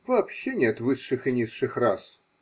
– вообще нет высших и низших рас.